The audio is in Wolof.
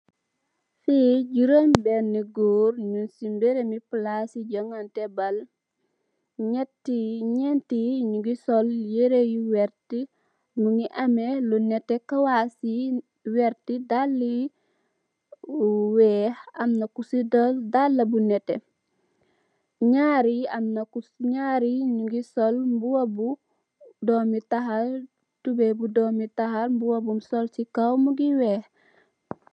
Fee jurum bene goor nuge se mereme plase juganteh bal nyate yee nyente ye nuge sol yere yu werte muge ameh lu neteh kawass ye werte dalle ye weex amna kuse dol dalla bu neteh nyarr ye amna kuse sol nyarr ye nuge sol muba bu dome tahal tubaye bu dome tahal muba bum sol se kaw muge weex.